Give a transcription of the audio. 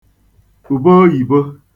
ùbe òyìbo